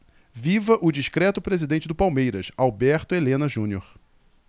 viva o discreto presidente do palmeiras alberto helena junior